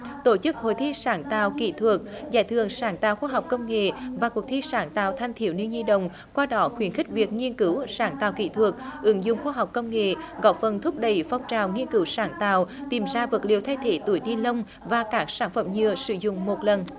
tổ chức hội thi sáng tạo kỹ thuật giải thưởng sáng tạo khoa học công nghệ và cuộc thi sáng tạo thanh thiếu niên nhi đồng qua đó khuyến khích việc nghiên cứu sáng tạo kỹ thuật ứng dụng khoa học công nghệ góp phần thúc đẩy phong trào nghiên cứu sáng tạo tìm ra vật liệu thay thế túi ni lông và các sản phẩm nhựa sử dụng một lần